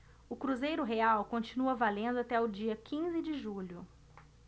o cruzeiro real continua valendo até o dia quinze de julho